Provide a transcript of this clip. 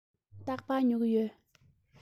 རྟག པར ཉོ གི ཡོད